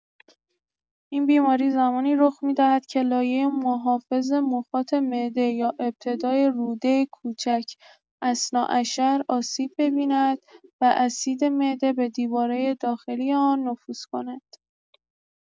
این بیماری زمانی رخ می‌دهد که لایه محافظ مخاط معده یا ابتدای روده کوچک (اثنی‌عشر) آسیب ببیند و اسید معده به دیواره داخلی آن نفوذ کند.